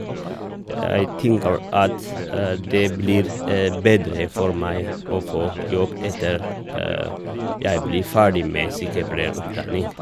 Jeg tenker at det blir bedre for meg å få jobb etter jeg blir ferdig med sykepleierutdanning.